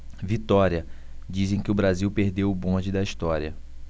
vitória dizem que o brasil perdeu o bonde da história